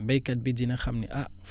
béykat bi dina xam ne ah